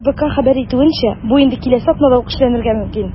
РБК хәбәр итүенчә, бу инде киләсе атнада ук эшләнергә мөмкин.